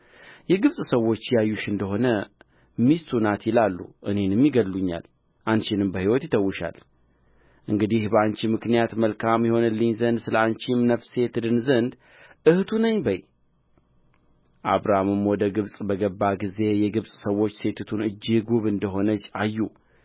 የግብፅ ሰዎች ያዩሽ እንደ ሆነ ሚስቱ ናት ይላሉ እኔንም ይገድሉኛል አንቺንም በሕይወት ይተዉሻል እንግዲህ በአንቺ ምክንያት መልካም ይሆንልኝ ዘንድ ስለ አንቺም ነፍሴ ትድን ዘንድ እኅቱ ነኝ በዪ አብራምም ወደ ግብፅ በገባ ጊዜ የግብፅ ሰዎች ሴቲቱን እጅግ ውብ እንደ ሆነች አዩ